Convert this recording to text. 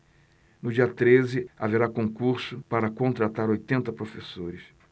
no dia treze haverá concurso para contratar oitenta professores